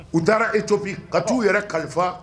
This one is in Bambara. U taara etobi ka t' u yɛrɛ kalifa